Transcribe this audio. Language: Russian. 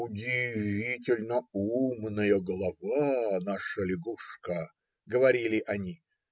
Удивительно умная голова наша лягушка, говорили они,